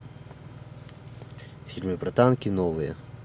фильмы про танки новые